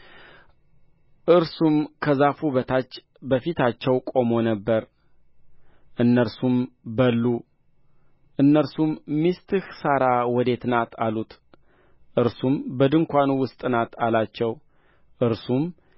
እርሱም ከዛፉ በታች በፊታቸው ቆሞ ነበር እነርሱም በሉ እነርሱም ሚስትህ ሣራ ወዴት ናት አሉት እርሱም በድንኳኑ ውስጥ ናት አላቸው እርሱም